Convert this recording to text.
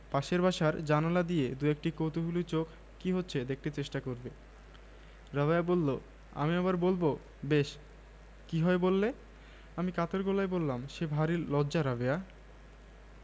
রাবেয়া সেই ছেলেটির আর কোন পরিচয়ই দিতে পারবে না আবারও রাবেয়া বেড়াতে বেরুবে আবারো হয়তো কেউ এমনি একটি ইতর অশ্লীল কথা বলে বসবে তাকে খোকা তোর দুধ মা দুধের বাটি টেবিলে নামিয়ে রাখলেন